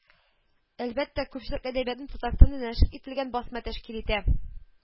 Әлбәттә, күпчелек әдәбиятны Татарстанда нәшер ителгән басма тәшкил итә